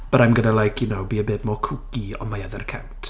But I'm going to like, you know, be a bit more kooky on my other account.